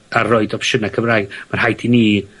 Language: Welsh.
ar roid opsiyna Cymraeg. Ma' rhaid i ni...